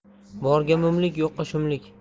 borga mumlik yo'qqa shumlik